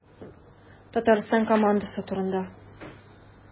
Татарстан командасы турында.